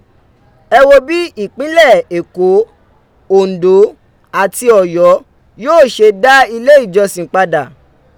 Ẹ wo bí ìpínlẹ̀ Eko, Ondo àti Oyo yóò ṣe dá ilé ìjọ̀sìn padà